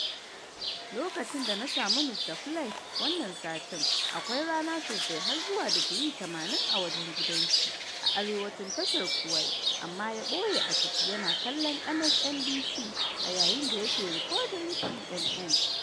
Lokacin da na sami Mr. Fleiss wannan satin, akwai rana sosai har zuwa digiri 80 a wajen gidan shi a arewacin tashar Kauai, amma ya boye a ciki yana kallon MSNBC a yayin da yake rikodin CNN.